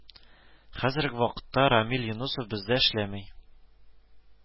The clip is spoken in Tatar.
Хәзерге вакытта Рамил Юнысов бездә эшләми